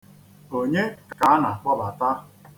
Onye ka a na-akpọbata?